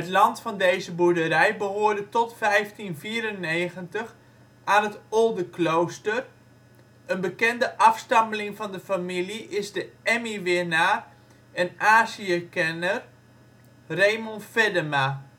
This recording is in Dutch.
land van deze boerderij behoorde tot 1594 aan het Oldenklooster. Een bekende afstammeling van de familie is de Emmy-winnaar en Aziëkenner Raymond Feddema